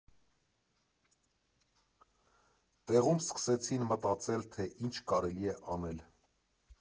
Տեղում սկսեցին մտածել, թե ինչ է կարելի անել։